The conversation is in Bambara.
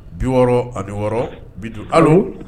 Bi wɔɔrɔ ani wɔɔrɔ bi